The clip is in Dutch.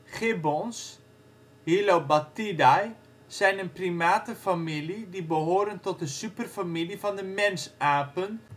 Gibbons (Hylobatidae) zijn een primatenfamilie die behoren tot de superfamilie van de mensapen